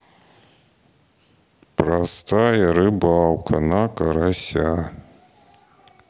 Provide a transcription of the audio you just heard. простая рыбалка на карася